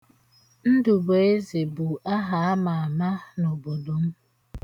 Ndụbụeze bụ aha ama ama n'obodo m.